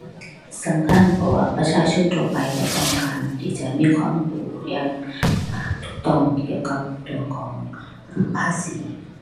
สำคัญ เพราะว่าประชาชนทั่วไปก็ต้องการที่จะมีความรู้อย่างถูกต้องเกี่ยวกับเรื่องของภาษี